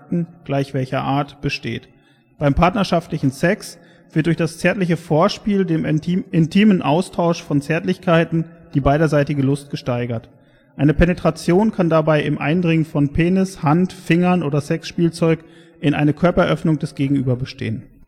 Art - besteht. Beim partnerschaftlichen Sex wird durch das zärtliche Vorspiel, dem intimen Austausch von Zärtlichkeiten, die beiderseitige Lust gesteigert. Eine Penetration kann dabei im Eindringen von Penis, Hand, Fingern oder Sexspielzeug in eine Körperöffnung des Gegenübers bestehen